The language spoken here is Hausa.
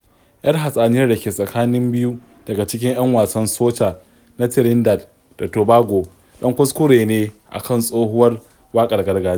Yar hatsaniyar da ke tsakanin biyu daga cikin 'yan wasan soca na Trinidad da Tobago ɗan kuskure ne akan tsohuwar waƙar gargajiya